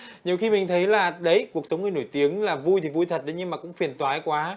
nhiều khi mình thấy là đấy cuộc sống người nổi tiếng là vui thì vui thật đấy nhưng mà cũng phiền toái quá